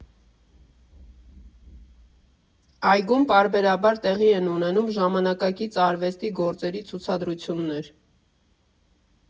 Այգում պարբերաբար տեղի են ունենում ժամանակակից արվեստի գործերի ցուցադրություններ։